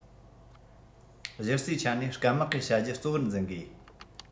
གཞི རྩའི ཆ ནས སྐམ དམག གིས བྱ རྒྱུ གཙོ བོར འཛིན དགོས